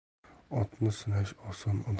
otni sinash oson